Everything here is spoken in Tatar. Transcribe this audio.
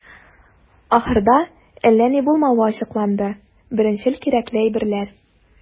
Ахырда, әллә ни булмавы ачыкланды - беренчел кирәкле әйберләр.